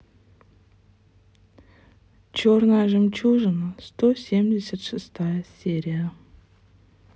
черная жемчужина сто семьдесят шестая серия